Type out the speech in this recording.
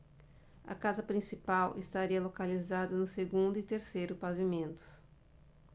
a casa principal estaria localizada no segundo e terceiro pavimentos